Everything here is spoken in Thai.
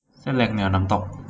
เส้นเล็กเนื้อน้ำตก